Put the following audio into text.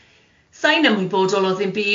'Sa i'n ymwybodol o ddim byd.